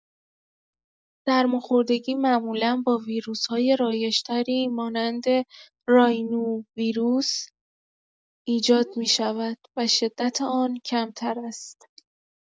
سرماخوردگی معمولا با ویروس‌های رایج‌تری مانند راینوویروس ایجاد می‌شود و شدت آن کمتر است.